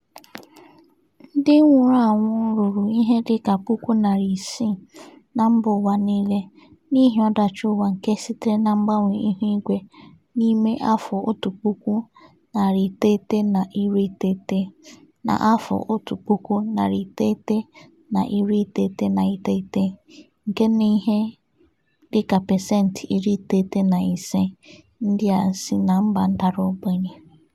Ndị nwụrụ anwụ ruru ihe dịka puku narị isii na mba ụwa niile n'ihi ọdachi ụwa nke sitere na mgbanwe ihu igwe n'ime afọ otu puku, narị iteghete na iri iteghete (1990) na afọ otu puku, narị iteghete na iri iteghete na iteghete (1999) nke na ihe dịka pesentị iri iteghete na ise ndị a si na mba dara ogbenye.